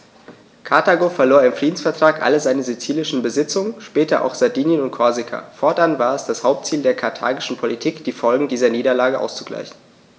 Karthago verlor im Friedensvertrag alle seine sizilischen Besitzungen (später auch Sardinien und Korsika); fortan war es das Hauptziel der karthagischen Politik, die Folgen dieser Niederlage auszugleichen.